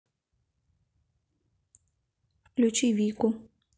включи вику